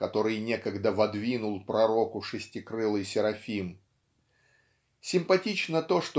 который некогда водвинул пророку шестикрылый серафим. Симпатично то